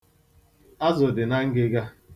Azụ dị na ngịga.